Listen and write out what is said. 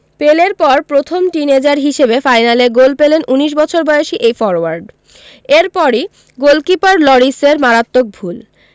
পেলের পর প্রথম টিনএজার হিসেবে ফাইনালে গোল পেলেন ১৯ বছর বয়সী এই ফরোয়ার্ড এরপরই গোলকিপার লরিসের মারাত্মক ভুল